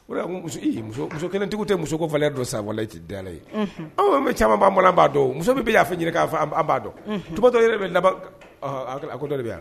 O muso muso kelentigiw tɛ muso ko fana don sawale ci da ye aw bɛ caman bɔ b'a dɔn muso bɛ y'a ɲini k'a fɔ b'a dɔntɔ yɛrɛ bɛ ko yan